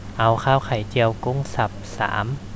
เอาข้าวไข่เจียวกุ้งสับสาม